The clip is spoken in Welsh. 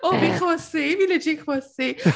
O, fi’n chwysu, fi literally chwysu.